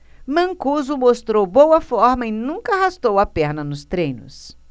mancuso mostrou boa forma e nunca arrastou a perna nos treinos